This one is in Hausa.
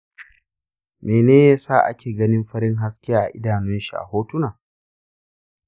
mene yasa ake ganin farin haske a idanunshi a hotuna?